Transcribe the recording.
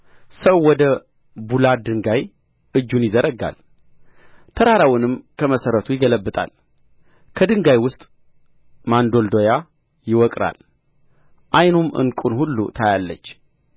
ሰው ወደ ቡላድ ድንጋይ እጁን ይዘረጋል ተራራውንም ከመሠረቱ ይገለብጣል ከድንጋይ ውስጥ መንዶልዶያ ይወቅራል ዓይኑም ዕንቍን ሁሉ ታያለች